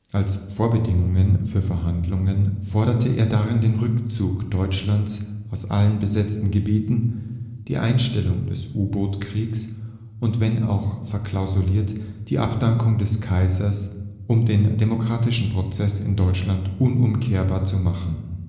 Als Vorbedingungen für Verhandlungen forderte er darin den Rückzug Deutschlands aus allen besetzten Gebieten, die Einstellung des U-Boot-Kriegs und – wenn auch verklausuliert – die Abdankung des Kaisers, um den demokratischen Prozess in Deutschland unumkehrbar zu machen